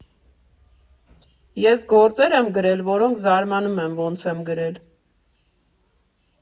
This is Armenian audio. Ես գործեր եմ գրել, որոնք, զարմանում եմ, ոնց եմ գրել։